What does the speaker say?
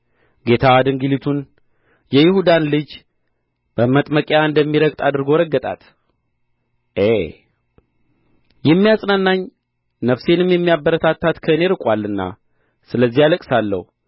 ጌታ ድንግሊቱን የይሁዳን ልጅ በመጥመቂያ እንደሚረገጥ አድርጎ ረገጣት ዔ የሚያጽናናኝ ነፍሴንም የሚያበረታት ከእኔ ርቆአልና ስለዚህ አለቅሳለሁ